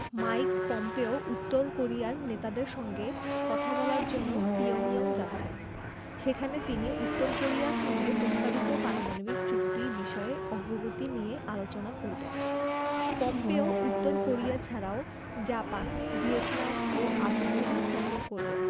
mic Pompeo উত্তর কোরিয়ার নেতাদের সঙ্গে কথা বলার জন্য পিয়ংইয়ং যাচ্ছেন সেখানে তিনি উত্তর কোরিয়ার সঙ্গে প্রস্তাবিত পারমাণবিক চুক্তি বিষয়ে অগ্রগতি নিয়ে আলোচনা করবেন পম্পেও উত্তর কোরিয়া ছাড়াও জাপান ভিয়েতনাম ও আবুধাবি সফর করবেন